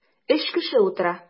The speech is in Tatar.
Өч кеше утыра.